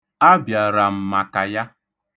Abịara m maka ya.